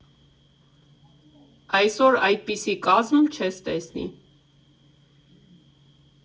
Այսօր այդպիսի կազմ չես տեսնի։